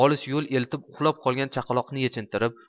olis yo'l elitib uxlab qolgan chaqaloqni yechintirib